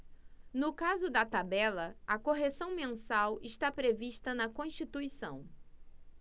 no caso da tabela a correção mensal está prevista na constituição